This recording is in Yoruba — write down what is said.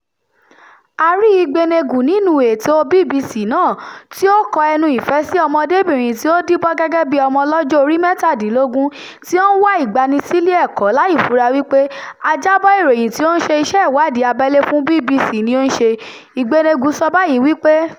A rí Igbeneghu nínúu ètòo BBC náà tí ó kọ ẹnu ìfẹ́ sí ọmọdébìnrin tí ó díbọ́n gẹ́gẹ́ bí ọmọ ọlọ́jọ́ orí mẹ́tàdínlógún tí ó ń wà ìgbanisílé ẹ̀kọ́ láì fura wípé ajábọ̀ ìròyìn tí ó ń ṣe iṣẹ́ ìwádìí abẹ́lẹ̀ fún BBC ni ó ń ṣe. Igbeneghu sọ báyìí wípé: